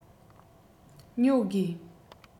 ཉོ དགོས